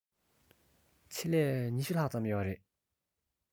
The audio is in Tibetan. ཆེད ལས ༢༠ ལྷག ཙམ ཡོད རེད